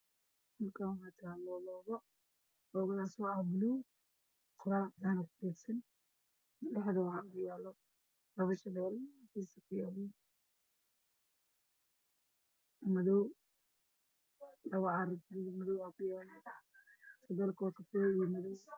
Waa loogo buluug ah oo qoraal cadeys ah kuqoran, dhexdiisa buluug ah , qoraalka hoose waa kafay iyo madow.